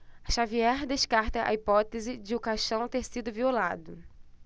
xavier descarta a hipótese de o caixão ter sido violado